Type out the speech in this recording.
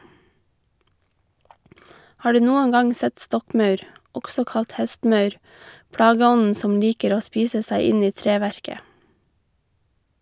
Har du noen gang sett stokkmaur, også kalt hestemaur, plageånden som liker å spise seg inn i treverket?